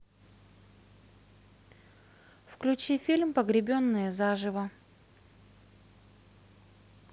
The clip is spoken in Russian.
включи фильм погребенные заживо